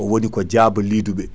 owoni ko Diaba Lidouɓe